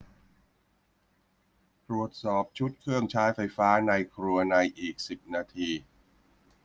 ตรวจสอบชุดเครื่องใช้ไฟฟ้าในครัวในอีกสิบนาที